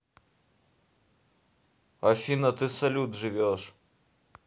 афина ты салют живешь